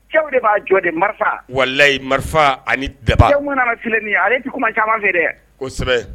Cɛw de b'a jɔ de marifa walayi marifa ani daba denwkun fiini ale ye duguman caman fɛ dɛ kosɛbɛ